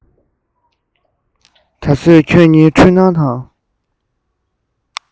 ད བཟོད ཁྱོད ཉིད འཁྲུལ སྣང དང